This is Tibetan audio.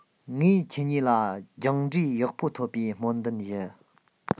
ངས ཁྱེད གཉིས ལ སྦྱངས འབྲས ཡག པོ ཐོབ པའི སྨོན འདུན ཞུ